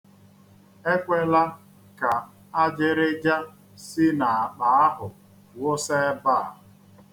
Ekwela ka ajịrịja si n'akpa ahụ wụsa ebe a.